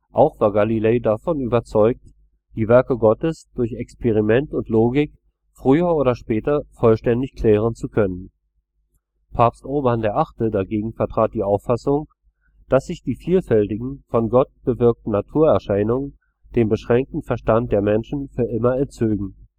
Auch war Galilei davon überzeugt, die Werke Gottes durch Experiment und Logik früher oder später vollständig klären zu können. Papst Urban VIII. dagegen vertrat die Auffassung, dass sich die vielfältigen von Gott bewirkten Naturerscheinungen dem beschränkten Verstand der Menschen für immer entzögen